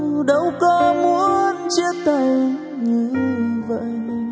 đâu có muốn chia tay như vậy